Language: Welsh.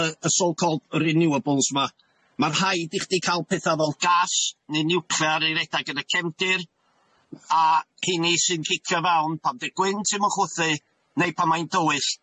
y y so called renewables 'ma. Ma' rhaid i chdi ca'l petha fel gas neu niwclear i redag yn y cefndir, a heini sy'n cicio fewn pan 'di'r gwynt ddim yn chwythu neu pan mae'n dywyll.